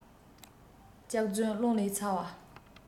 སྐྱག རྫུན རླུང ལས ཚ བ